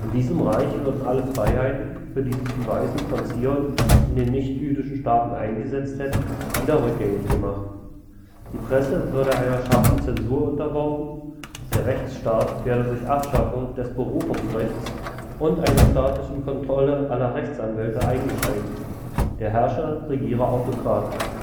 diesem Reich würden alle Freiheiten, für die sich die „ Weisen von Zion “in den nichtjüdischen Staaten eingesetzt hätten, wieder rückgängig gemacht: Die Presse würde einer scharfen Zensur unterworfen, der Rechtsstaat werde durch Abschaffung des Berufungsrechts und eine staatliche Kontrolle aller Rechtsanwälte eingeschränkt, der Herrscher regiere autokratisch